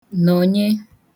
nọ̀nyeru